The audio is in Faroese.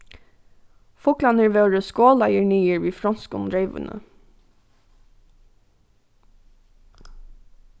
fuglarnir vórðu skolaðir niður við fronskum reyðvíni